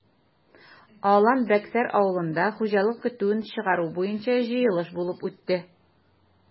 Алан-Бәксәр авылында хуҗалык көтүен чыгару буенча җыелыш булып үтте.